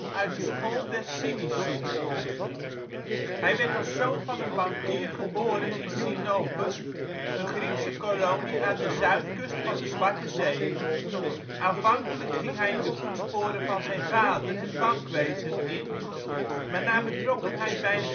uit de school der cynici. Hij werd als zoon van een bankier geboren in Sinope, een Griekse kolonie aan de zuidkust van de Zwarte Zee. Aanvankelijk ging hij in de voetsporen van zijn vader het bankwezen in, maar na betrokkenheid bij